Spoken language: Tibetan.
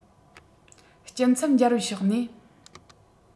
སྐྱིན ཚབ འཇལ བའི ཕྱོགས ནས